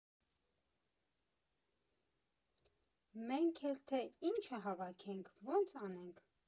Մենք էլ թե՝ ի՞նչը հավաքենք, ո՞նց անենք։